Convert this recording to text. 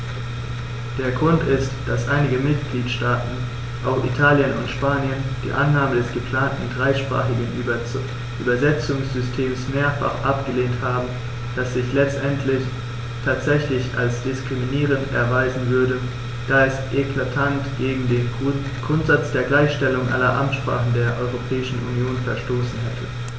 Der Grund ist, dass einige Mitgliedstaaten - auch Italien und Spanien - die Annahme des geplanten dreisprachigen Übersetzungssystems mehrfach abgelehnt haben, das sich letztendlich tatsächlich als diskriminierend erweisen würde, da es eklatant gegen den Grundsatz der Gleichstellung aller Amtssprachen der Europäischen Union verstoßen hätte.